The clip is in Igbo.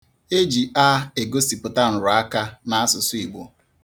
E ji 'a' egosipụta nrụaka n'asụsụ Igbo.